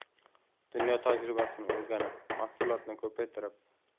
dunyo tajribasini o'rganib mahsulotni ko'paytirib